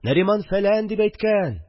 – нариман фәлән дип әйткән